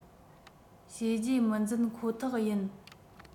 བྱས རྗེས མི འཛིན ཁོ ཐག ཡིན